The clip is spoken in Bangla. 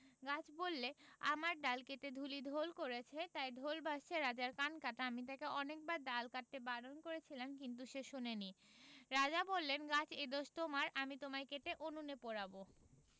গাছ বললে আমার ডাল কেটে ঢুলি ঢোল করেছে তাই ঢোল বাজছে রাজার কান কাটা আমি তাকে অনেকবার ডাল কাটতে বারণ করেছিলাম কিন্তু সে শোনেনি রাজা বললেন গাছ এ দোষ তোমার আমি তোমায় কেটে উনুনে পোড়াব'